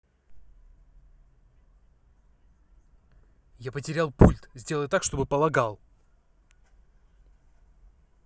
я потерял пульт сделай так чтобы полагал